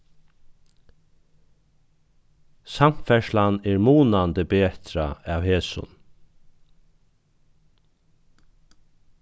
samferðslan er munandi betrað av hesum